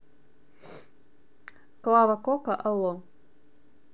клава кока алло